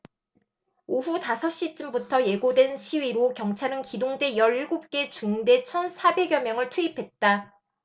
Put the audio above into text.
오후 다섯 시쯤부터 예고된 시위로 경찰은 기동대 열 일곱 개 중대 천 사백 여 명을 투입했다